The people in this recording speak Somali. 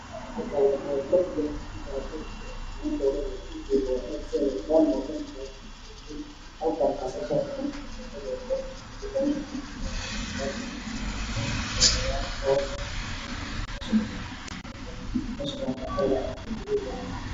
Waa nin oday ah bakoorad wato